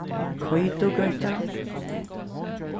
koytugøta